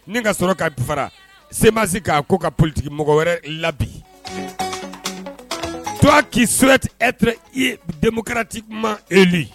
Nin ka sɔrɔ ka d fara CEMAS kaa ko ka politique mɔgɔ wɛrɛ labin toi qui souhaite être i démocratiquement élu